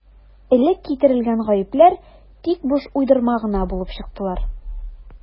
Элек китерелгән «гаепләр» тик буш уйдырма гына булып чыктылар.